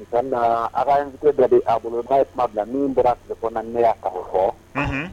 Ala in bila a bolo n'a ye tuma bila min bɛ tile kɔnɔ ne a